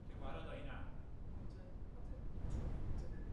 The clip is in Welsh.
Ca'l gwared o heina. What a, what a twat, yndyfe?